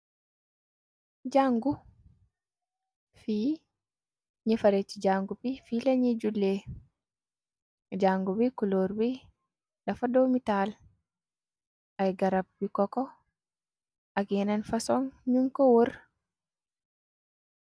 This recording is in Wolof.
Jàngu, fi ñëfare ci jàngu bi fi lañiy julee. Jàngu bi kuloor bi dafa doomitaal, ay garab bu koko ak yeneen fason ñuñ ko wër.